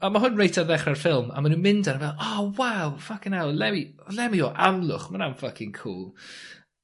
a ma' hwn reit ar ddechre'r ffilm a ma' nw'n mynd arno fe o waw ffycin 'ell Lemmy Lemmy o Amlwch ma' wnna'n ffycin cŵl.